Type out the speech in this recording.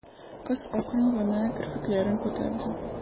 Кыз акрын гына керфекләрен күтәрде.